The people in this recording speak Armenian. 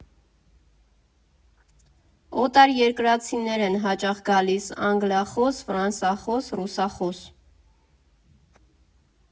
Օտարերկրացիներ են հաճախ գալիս՝ անգլիախոս, ֆրանսախոս, ռուսախոս։